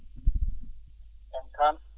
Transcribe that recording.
jam tan